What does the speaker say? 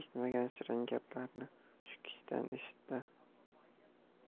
shirin gaplarni shu kishidan eshitdi